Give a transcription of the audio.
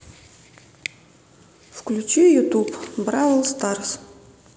включи ютуб бравл старс